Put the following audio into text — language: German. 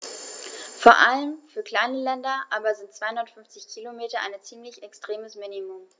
Vor allem für kleine Länder aber sind 250 Kilometer ein ziemlich extremes Minimum.